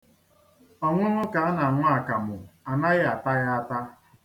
Ọṅụṅụ ka a na-aṅụ akamụ, a naghị ata ya ata.